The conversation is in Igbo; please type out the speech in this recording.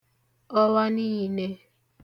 ọwa niīnē